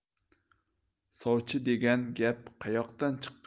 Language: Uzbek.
sovchi degan gap qayoqdan chiqqan